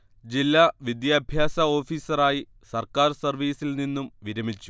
ജില്ലാ വിദ്യാഭ്യാസ ഓഫീസറായി സർക്കാർ സർവീസിൽ നിന്നും വിരമിച്ചു